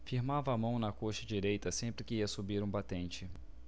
firmava a mão na coxa direita sempre que ia subir um batente